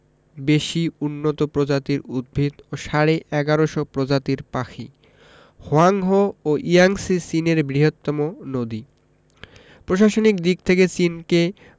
বেশি উন্নত প্রজাতির উদ্ভিত ও সাড়ে ১১শ প্রজাতির পাখি হোয়াংহো ও ইয়াংসি চীনের বৃহত্তম নদী প্রশাসনিক দিক থেকে চিনকে